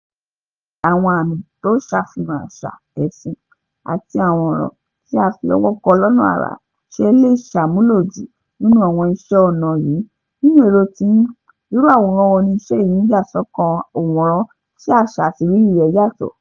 Bí àwọn àmì tó ṣàfihan àṣà/ẹ̀sìn àti àwọn ọ̀rọ̀ tí a fi ọwọ́ kọ lọ́nà àrà ṣe lẹ̀ ń ṣàmúlò jù nínú àwọn iṣẹ́ ọnà yín, nínú èrò tiyin, irú àwòrán wo ni iṣẹ́ yín ń yà sọ́kàn òǹwòrán tí àṣà àti ìrírí rẹ̀ yàtọ̀?